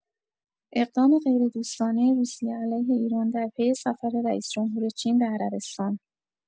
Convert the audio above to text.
اقدام غیردوستانه روسیه علیه ایران در پی سفر رئیس‌جمهور چین به عربستان